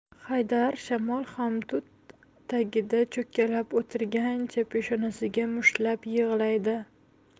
haydar shamol ham tut tagida cho'kkalab o'tirgancha peshonasiga mushtlab yig'laydi